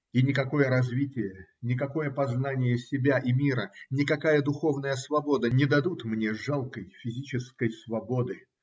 И никакое развитие, никакое познание себя и мира, никакая духовная свобода не дадут мне жалкой физической свободы